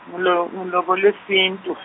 ngilo- ngilobolwe sintu.